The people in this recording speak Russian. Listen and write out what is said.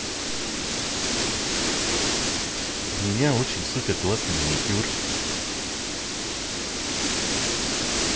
у меня очень супер классный маникюр